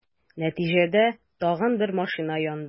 Нәтиҗәдә, тагын бер машина янды.